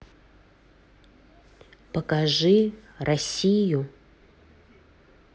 покажи россию